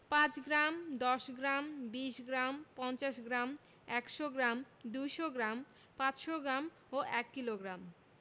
৫ gram ১০গ্ৰাম ২০ gram ৫০ gram ১০০ gram ২০০ gram ৫০০ gram ও ১ kilogram